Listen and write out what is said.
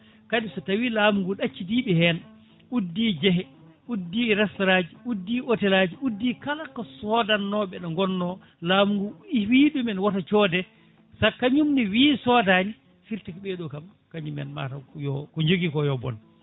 kadi so tawi lamugu daccidiɓe hen uddi jeehe uddi restaurant uddu hôtel aji uddi kala ko sodannoɓe ɗo gonno laamu ngu wi ɗumen woto coode saha kañumne wi sodani firti ko ɓeɗo kam mataw ko yo ko jogui ko yo bonn